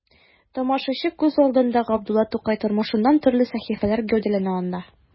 Тамашачы күз алдында Габдулла Тукай тормышыннан төрле сәхифәләр гәүдәләнә анда.